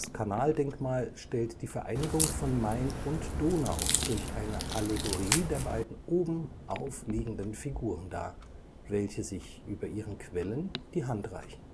Kanaldenkmal stellt die Vereinigung von Main und Donau (lat. Moenus et Danubius) durch eine Allegorie der beiden oben auf liegenden Figuren dar, welche sich über ihren Quellen die Hand reichen